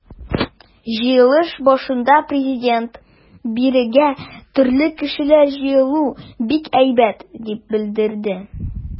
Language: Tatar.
Җыелыш башында Президент: “Бирегә төрле кешеләр җыелуы бик әйбәт", - дип белдерде.